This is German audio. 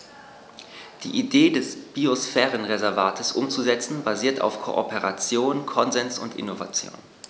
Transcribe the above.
Die Idee des Biosphärenreservates umzusetzen, basiert auf Kooperation, Konsens und Innovation.